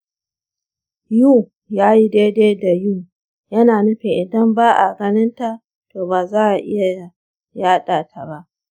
u yayi daidai da u yana nufin idan ba'a ganinta to baza'a iya yaɗata ba.